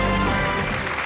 vị